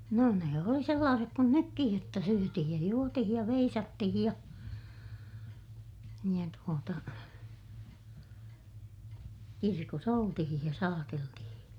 no ne oli sellaiset kuin nytkin jotta syötiin ja juotiin ja veisattiin ja ja tuota kirkossa oltiin ja saateltiin